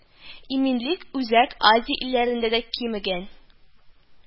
Иминлек Үзәк Азия илләрендә дә кимегән